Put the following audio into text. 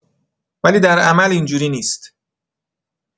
ولی در عمل اینجوری نیست